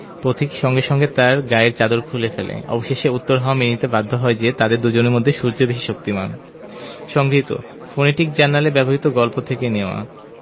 পথিক সঙ্গে সঙ্গে তার গায়ের চাদর খুলে ফেলে অবশেষে উত্তর হাওয়া মেনে নিতে বাধ্য হয় যে তাদের দুজনের মধ্যে সূর্যই বেশি শক্তিমান সংগৃহীত ফনেটিক জার্নালে ব্যবহিত গল্প থেকে নেওয়া